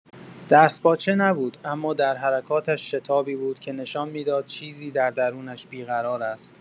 دستپاچه نبود، اما در حرکاتش شتابی بود که نشان می‌داد چیزی در درونش بی‌قرار است.